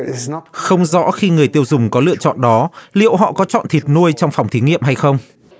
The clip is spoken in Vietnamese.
không rõ khi người tiêu dùng có lựa chọn đó liệu họ có chọn thịt nuôi trong phòng thí nghiệm hay không